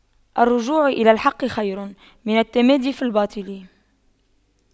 الرجوع إلى الحق خير من التمادي في الباطل